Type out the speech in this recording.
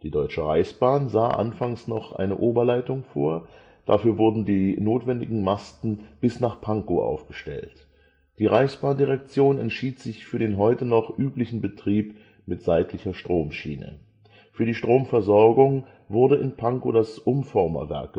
Deutsche Reichsbahn sah anfangs noch eine Oberleitung vor, dafür wurden die notwendigen Masten, bis nach Pankow aufgestellt. Die Reichsbahndirektion entschied sich für den heute noch üblichen Betrieb mit seitlicher Stromschiene. Für die Stromversorgung wurde in Pankow das Umformerwerk